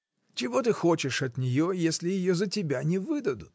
Чего ты хочешь от нее, если ее за тебя не выдадут?